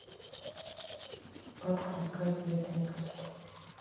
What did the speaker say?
бабка рассказывает анекдот